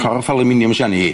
Corff alwminiwm sy' arn hi?